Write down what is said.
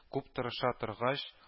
Күп тырыша торгач